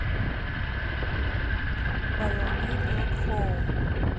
пайонир локхоум